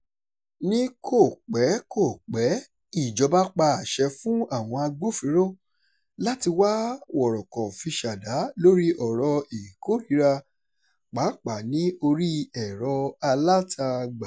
Ní kò pẹ́ kò pẹ́, ìjọba pa àṣẹ fún àwọn agbófinró láti "wá wọ̀rọ̀kọ̀ fi ṣ'àdá lórí ọ̀rọ̀ ìkórìíra, pàápàá ní orí ẹ̀rọ-alátagbà".